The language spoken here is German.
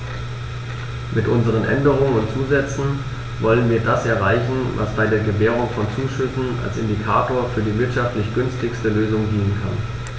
Mit unseren Änderungen und Zusätzen wollen wir das erreichen, was bei der Gewährung von Zuschüssen als Indikator für die wirtschaftlich günstigste Lösung dienen kann.